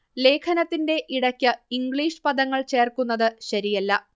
ലേഖനത്തിന്റെ ഇടക്ക് ഇംഗ്ലീഷ് പദങ്ങൾ ചേർക്കുന്നത് ശരിയല്ല